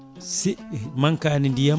si manque ani ndiyam